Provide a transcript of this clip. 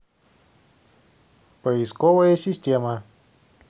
поисковая система